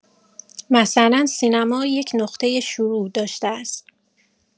مثلا سینما یک نقطه شروع داشته است.